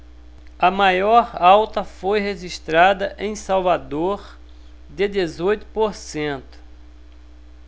a maior alta foi registrada em salvador de dezoito por cento